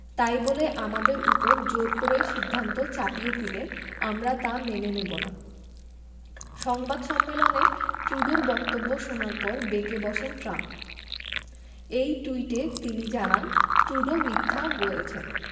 তাই বলে আমাদের ওপর জোর করে সিদ্ধান্ত চাপিয়ে দিলে আমরা তা মেনে নেব না সংবাদ সম্মেলনে ট্রুডোর বক্তব্য শোনার পর বেঁকে বসেন ট্রাম্প এক টুইটে তিনি জানান ট্রুডো মিথ্যা বলেছেন